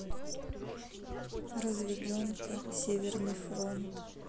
разведка северный фронт